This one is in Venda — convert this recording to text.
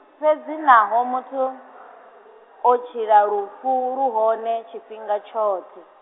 fhedzi naho muthu, o tshila lufu lu hone tshifhinga tshoṱhe.